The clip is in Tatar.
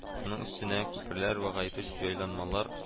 Шуның өстенә, күперләр вә гайре җайланмалар